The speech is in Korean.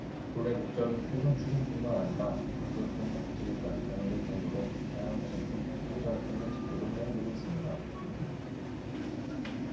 본래 목적인 세금추징뿐만 아니라 정부의 부동산 정책에까지 반영될 정도로 다양한 곳에 부동산 통계자료 또는 지표로 활용되고 있습니다